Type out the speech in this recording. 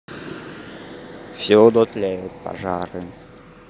всюду тлеют пожары